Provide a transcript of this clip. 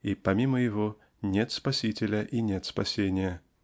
и помимо его нет спасителя и нет опасения.